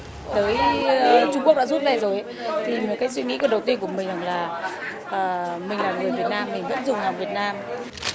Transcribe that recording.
giới trung quốc đã giúp như này rồi thì cái suy nghĩ đầu tiên của mình là ờ mình là người việt nam mình vẫn dùng hàng việt nam